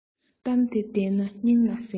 གཏམ དེ བདེན ན སྙིང ལ གཟན པ